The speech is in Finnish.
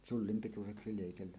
sullin pituiseksi leikellä